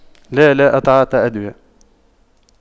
لا لا أتعاطى أدوية